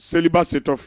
Seliba setɔ filɛ